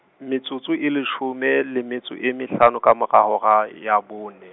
metsotso e leshome, le metso e mehlano, ka mora hora ya bone.